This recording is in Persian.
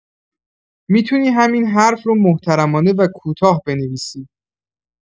می‌تونی همین حرف رو محترمانه و کوتاه بنویسی.